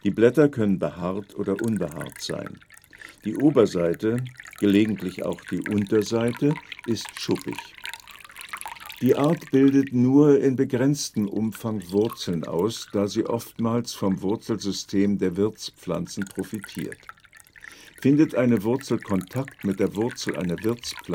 Blätter können behaart oder unbehaart sein; die Oberseite, gelegentlich auch die Unterseite ist schuppig. Die Art bildet nur in begrenztem Umfang Wurzeln aus, da sie oftmals vom Wurzelsystem der Wirtspflanzen profitiert. Findet eine Wurzel Kontakt mit der Wurzel einer Wirtspflanze